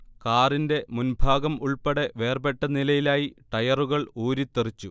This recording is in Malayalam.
കാറിന്റെ മുൻഭാഗം ഉൾപ്പടെ വേർപെട്ട നിലയിലായി ടയറുകൾ ഊരിത്തെറിച്ചു